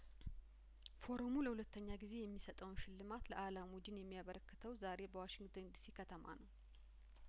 ፎረሙ ለሁለተኛ ጊዜ የሚሰጠውን ሽልማት ለአላሙዲን የሚያበረክተው ዛሬ በዋሽንግተን ዲሲ ከተማ ነው